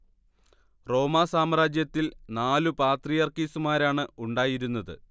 റോമാ സാമ്രാജ്യത്തിൽ നാലു പാത്രിയാർക്കീസുമാരാണ് ഉണ്ടായിരുന്നത്